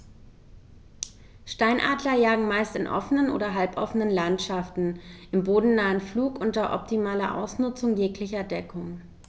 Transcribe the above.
Steinadler jagen meist in offenen oder halboffenen Landschaften im bodennahen Flug unter optimaler Ausnutzung jeglicher Deckung.